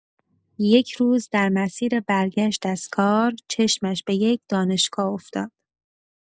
یک روز، در مسیر برگشت از کار، چشمش به یک دانشگاه افتاد.